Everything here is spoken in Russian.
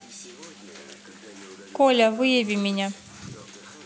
коля выеби меня